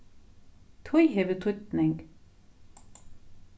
tíð hevur týdning